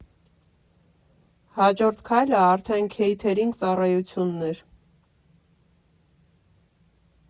Հաջորդ քայլը արդեն քեյթերինգ ծառայությունն էր.